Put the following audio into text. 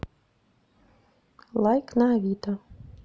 лайк на авито